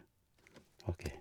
OK.